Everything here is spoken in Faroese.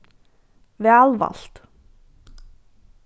væl valt